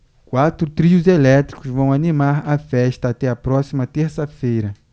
quatro trios elétricos vão animar a festa até a próxima terça-feira